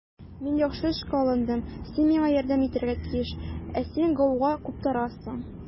Мин яхшы эшкә алындым, син миңа ярдәм итәргә тиеш, ә син гауга куптарасың.